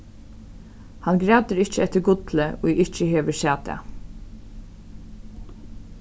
hann grætur ikki eftir gulli ið ikki hevur sæð tað